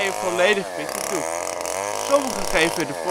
volledig witte doek. Sommigen geven